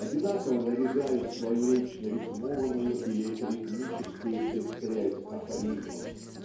одинаково нарезают свою речь на рифмованную или ритмическую пестрядь афоризмов.